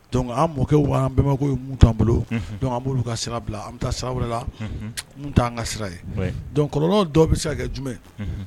Dɔnkuc an mɔkɛ waanba'an bolo an ka sira bila an bɛ taa sira wɛrɛ la an ka sira ye kɔrɔ dɔ bɛ se ka kɛ jumɛn